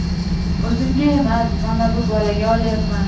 o'zimga emas mana bu bolaga olyapman